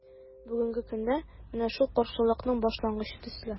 Бүгенге көндә – менә шул каршылыкның башлангычы төсле.